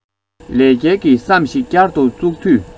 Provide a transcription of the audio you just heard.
ལས སྐལ གྱི བསམ གཞིགས བསྐྱར དུ བཙུགས དུས